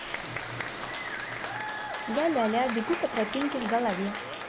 ля ля ля бегу по тропинке в голове